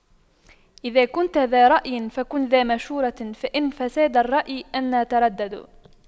إذا كنتَ ذا رأيٍ فكن ذا مشورة فإن فساد الرأي أن تترددا